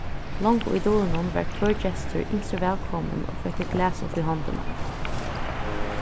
longu í durinum var hvør gestur ynsktur vælkomin og fekk eitt glas upp í hondina